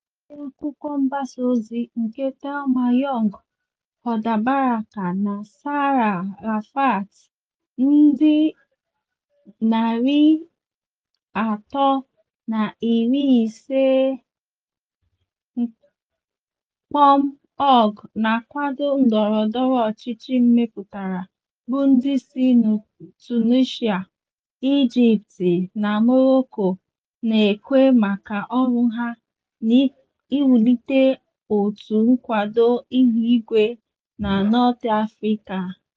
N'ime mpempe akwụkwọ mgbasaozi nke Thelma Young, Hoda Baraka na Sarah Rifaat ndị 350.org na-akwado ndọrọndọrọ ọchịchị mepụtara, bụ ndị si Tunisia, Egypt na Morocco, na-ekwu maka ọrụ ha n’iwulite òtù nkwado ihuigwe na North Africa.